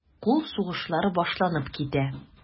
Кул сугышлары башланып китә.